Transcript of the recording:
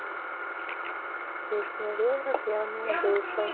песня vera пьяные души